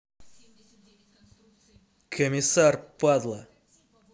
комиссар падла